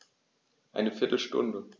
Eine viertel Stunde